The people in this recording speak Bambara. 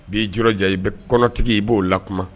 B'i jiraja i bɛ kɔnɔtigi i b'o lakuma